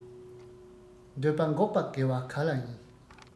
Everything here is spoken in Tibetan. འདོད པ འགོག པ དགེ བ ག ལ ཡིན